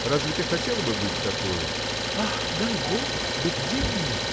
Разве ты хотела бы быть такою? — Ах, дай Бог: да где мне!